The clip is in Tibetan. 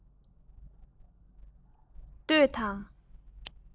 གཏོད དང